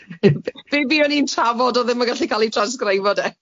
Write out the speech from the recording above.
Be buon ni'n trafod o'dd ddim yn gallu ca'l ei transcribeio de?